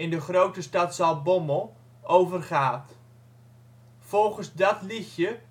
de grote stad Zaltbommel) over gaat. Volgens dat liedje